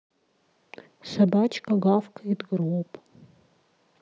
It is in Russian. собачка гавкает гроб